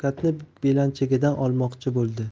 shavkatni belanchakdan olmoqchi bo'ldi